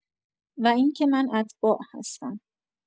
و اینکه من اتباع هستم.